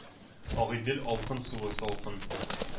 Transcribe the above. -“агыйдел алкын, суы салкын...